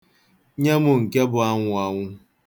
Nye m nke bụ anwụanwụ.